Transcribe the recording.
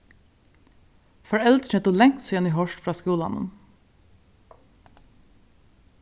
foreldrini høvdu langt síðani hoyrt frá skúlanum